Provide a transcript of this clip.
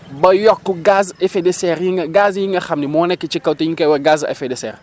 ba yokk gaz effet de serre yi nekk gaz yi nga xam ne moo nekk ci kaw te ñu koy wax gaz effet de serre